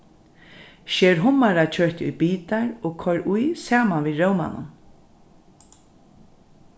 sker hummarakjøtið í bitar og koyr í saman við rómanum